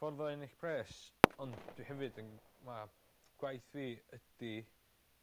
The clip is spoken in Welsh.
Ffordd o ennill pres ond dwi hefyd yn ma' gwaith fi ydi